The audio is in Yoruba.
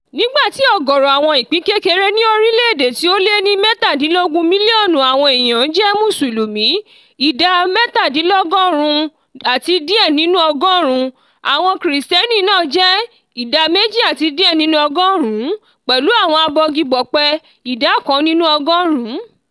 Nígbà tí ọ̀gọ̀ọ̀rọ̀ àwọn ìpín-kékeré ní orílẹ̀ èdè tí ó lé ní 17 mílíọ̀nù àwọn èèyàn jẹ́ Mùsùlùmí ( ìdá 97.2 nínú ọgọ́rùn-ún), àwọn Kìrìsìtẹ́nì náà wà (ìdá 2.7 nínú ọgọ́rùn-ún) pẹ̀lú àwọn abọgibọ̀pẹ̀ ( ìdá 1 nínú ọgọ́rùn-ún).